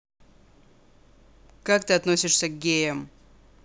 как ты относишься к геям